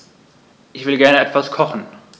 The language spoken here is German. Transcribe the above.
Ich will gerne etwas kochen.